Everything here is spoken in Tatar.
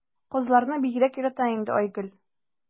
Казларны бигрәк ярата инде Айгөл.